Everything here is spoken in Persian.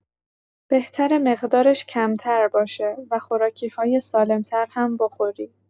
بهتره مقدارش کمتر باشه و خوراکی‌های سالم‌تر هم بخوری.